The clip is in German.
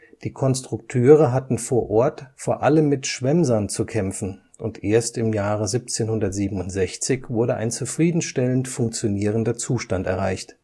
Die Konstrukteure hatten vor Ort vor allem mit Schwemmsand zu kämpfen, und erst im Jahre 1767 wurde ein zufriedenstellend funktionierender Zustand erreicht